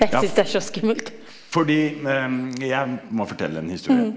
ja fordi jeg må fortelle en historie.